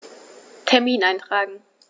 Termin eintragen